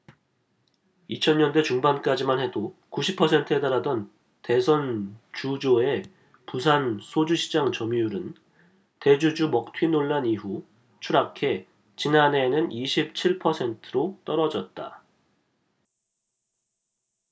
이천 년대 중반까지만 해도 구십 퍼센트에 달하던 대선주조의 부산 소주시장 점유율은 대주주 먹튀 논란 이후 추락해 지난해에는 이십 칠 퍼센트로 떨어졌다